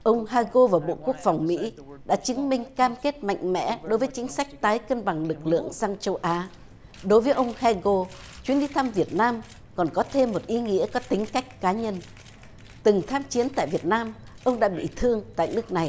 ông ha gô và bộ quốc phòng mỹ đã chứng minh cam kết mạnh mẽ đối với chính sách tái cân bằng lực lượng sang châu á đối với ông he gô chuyến đi thăm việt nam còn có thêm một ý nghĩa có tính cách cá nhân từng tham chiến tại việt nam ông đã bị thương tại nước này